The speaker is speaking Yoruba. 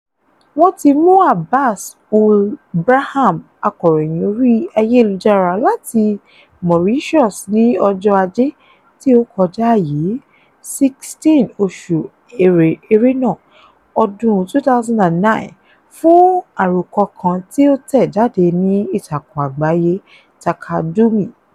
Wọ́n ti mú Abbass Ould Braham, akọ̀ròyìn orí ayélujára láti Mauritius ní ọjọ́ Ajé tí ó kọjá yìí, 16 oṣù Ẹrẹ́nà ọdún 2009, fún àròkọ kan tí ó tẹ̀ jáde ní ìtakùn àgbáyé Taqadoumy.